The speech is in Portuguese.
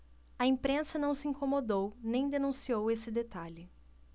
a imprensa não se incomodou nem denunciou esse detalhe